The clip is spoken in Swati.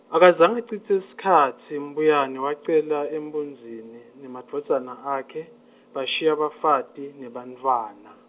akazange acitse sikhatsi Mbuyane wacela empunzini, nemadvodzana akhe, bashiya bafati, nebantfwana.